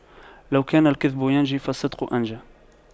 لو كان الكذب ينجي فالصدق أنجى